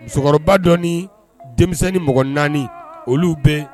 Musokɔrɔba dɔ ni denmisɛnnin mɔgɔ naani olu bɛ